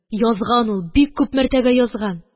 – язган ул! бик күп мәртәбә язган.